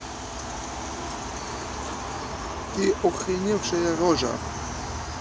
ты охреневшая рожа